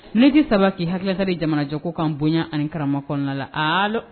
Ne tɛ saba k'i hakililaka jamanajɛ kokan bonya ani karamɔgɔma kɔnɔna la la a